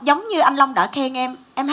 giống như anh long đã khen em em